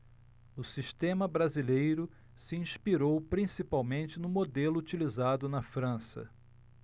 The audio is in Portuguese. o sistema brasileiro se inspirou principalmente no modelo utilizado na frança